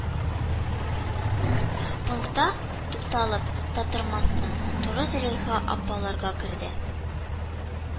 Пунктка тукталып та тормастан, туры зөләйха апаларга керде